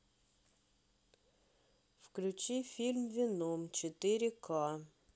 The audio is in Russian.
включи фильм веном четыре ка